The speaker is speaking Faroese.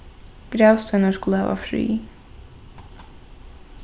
gravsteinar skulu hava frið